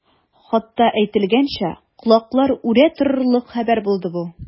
Хатта әйтелгәнчә, колаклар үрә торырлык хәбәр булды бу.